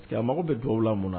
Cɛ mago bɛ jɔwula mun